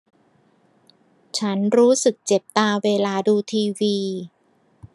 ฉันรู้สึกเจ็บตาเวลาดูทีวี